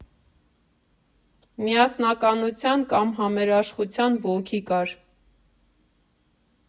Միասնականության կամ համերաշխության ոգի կար։